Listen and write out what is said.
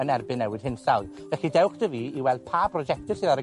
yn erbyn newid hinsawdd. Felly, dewch 'da fi i weld pa brojecte sydd ar y